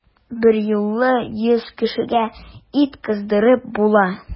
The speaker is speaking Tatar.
Берьюлы йөз кешегә ит кыздырып була!